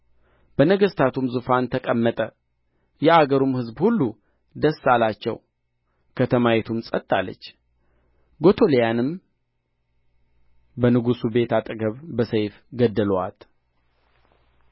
በነገሥታቱም ዙፋን ተቀመጠ የአገሩም ሕዝብ ሁሉ ደስ አላቸው ከተማይቱም ጸጥ አለች ጎቶልያንም በንጉሡ ቤት አጠገብ በሰይፍ ገደሉአት